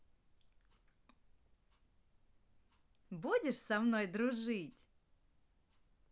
будешь со мной дружить